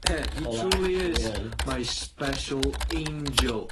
He truly is my special angel.